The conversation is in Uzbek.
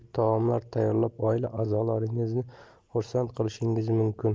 taomlar tayyorlab oila a'zolaringizni xursand qilishingiz mumkin